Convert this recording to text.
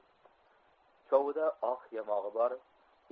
chovida oq yamog'i bor